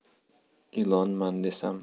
ilonman desam